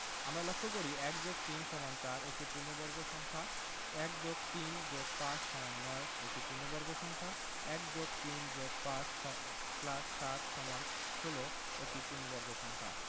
আমরা লক্ষ করি ১+৩=৪ একটি পূর্ণবর্গ সংখ্যা ১+৩+৫=৯ একটি পূর্ণবর্গ সংখ্যা ১+৩+৫+৭=১৬ একটি পূর্ণবর্গ সংখ্যা